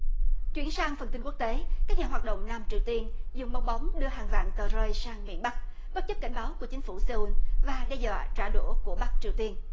chuyển sang phần tin quốc tế các nhà hoạt động nam triều tiên dùng bong bóng đưa hàng vạn tờ rơi sang miền bắc bất chấp cảnh báo của chính phủ xê un và đe dọa trả đũa của bắc triều tiên